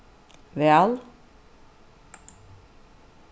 væl